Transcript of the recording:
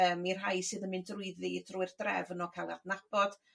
yym i rhai sydd yn mynd drwyddi drwy'r drefn o ca'l adnabod